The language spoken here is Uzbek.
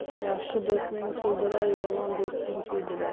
yaxshi do'sting kuldirar yomon do'sting kuydirar